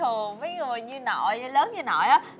thường mấy người như nội lớn như nội á